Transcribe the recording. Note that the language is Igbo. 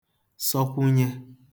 sọkwụnye